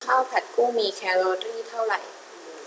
ข้าวผัดกุ้งมีแคลอรี่เท่าไหร่